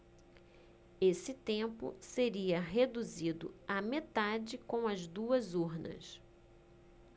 esse tempo seria reduzido à metade com as duas urnas